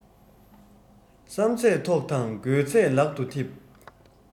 བསམ ཚད ཐོག དང དགོས ཚད ལག ཏུ ཐེབས